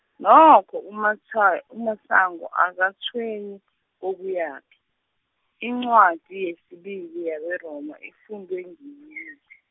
nokho uMatshwayo, uMasango akatshwenyi, kokuyaphi, incwadi yesibili yabeRoma ifundwe ngimi.